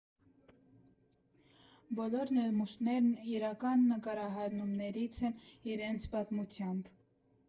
Բոլոր նմուշներն իրական նկարահանումներից են, իրենց պատմությամբ։